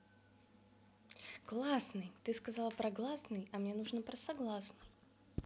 классный ты сказала про гласный а мне нужно про согласной